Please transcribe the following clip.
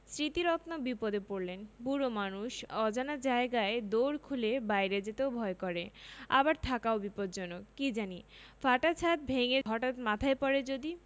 স্মৃতিরত্ন বিপদে পড়লেন বুড়ো মানুষ অজানা জায়গায় দোর খুলে বাইরে যেতেও ভয় করে আবার থাকাও বিপজ্জনক কি জানি ফাটা ছাত ভেঙ্গে হঠাৎ মাথায় পড়ে যদি